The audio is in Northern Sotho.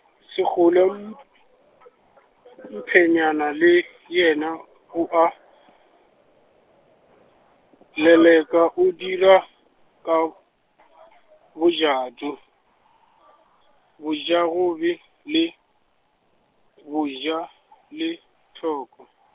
Sekgole m- , Mphonyana le, yena oa, leleka o dirwa ka , bojato, bojagobe le, bojalathoko.